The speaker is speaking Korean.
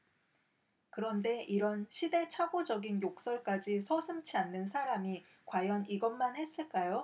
그런데 이런 시대착오적인 욕설까지 서슴지 않는 사람이 과연 이것만 했을까요